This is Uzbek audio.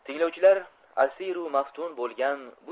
tinglovchilar asiru maftun bo'lgan